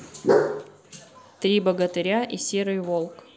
три богатыря и серый волк